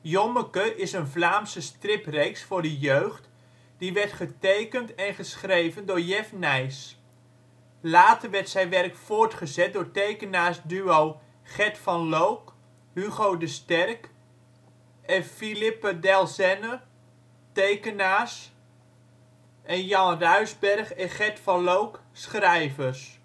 Jommeke is een Vlaamse stripreeks voor de jeugd, werd getekend en geschreven door Jef Nys. Later werd zijn werk voortgezet door tekenaarsduo Gert van Loock, Hugo de Sterk en Philippe Delzenne (tekenaars), Jan Ruysbergh en Gert van Loock (schrijvers